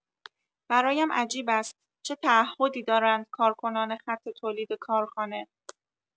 برایم عجیب است چه تعهدی دارند کارکنان خط تولید کارخانه.